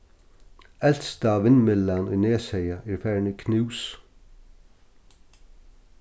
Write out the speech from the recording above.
elsta vindmyllan í neshaga er farin í knús